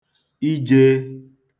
ijēē